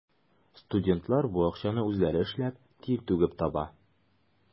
Студентлар бу акчаны үзләре эшләп, тир түгеп таба.